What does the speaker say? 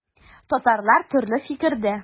Татарлар төрле фикердә.